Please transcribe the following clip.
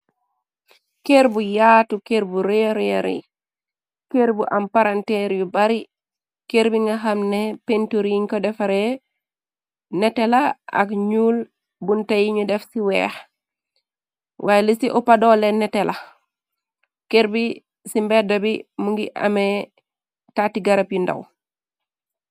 Kër bu yaatu kër bu rereeri kër bu am paranteer yu bari kër bi nga xamne penturin ko defare netela ak ñuul bunte yiñu def ci weex waye li ci opadole netela kër bi ci mbedda bi mu ngi amee tatti garab yu ndaw.